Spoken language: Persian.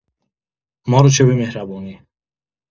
مارو چه به مهربونی